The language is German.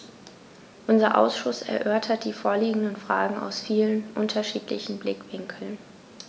Unser Ausschuss erörtert die vorliegenden Fragen aus vielen unterschiedlichen Blickwinkeln.